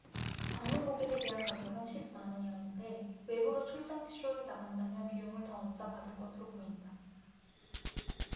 방문 고객에 대한 가격은 십 만원이었는데 외부로 출장 치료를 나간다면 비용을 더 얹어 받을 것으로 보인다